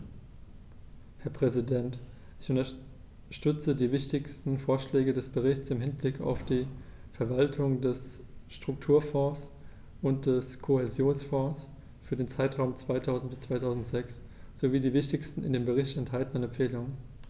Herr Präsident, ich unterstütze die wichtigsten Vorschläge des Berichts im Hinblick auf die Verwaltung der Strukturfonds und des Kohäsionsfonds für den Zeitraum 2000-2006 sowie die wichtigsten in dem Bericht enthaltenen Empfehlungen.